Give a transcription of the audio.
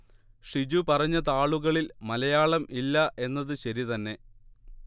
ഷിജു പറഞ്ഞ താളുകളിൽ മലയാളമില്ല എന്നത് ശരി തന്നെ